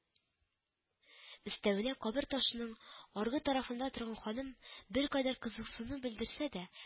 Өстәвенә, кабер ташының аргы тарафында торган ханым, беркадәр кызыксыну белдерсә дә